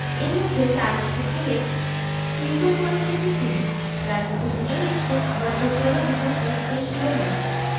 এর মধ্যে ৪ ম্যাচে খেলে ৩ গোল করে ফেলেছেন তিনি যার মধ্যে দুটোই এসেছে আবার পর্তুগালের বিপক্ষে শেষ ষোলোর ম্যাচে